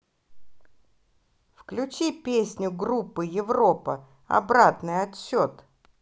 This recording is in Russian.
включи песню группы европа обратный отсчет